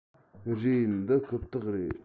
རེད འདི རྐུབ སྟེགས རེད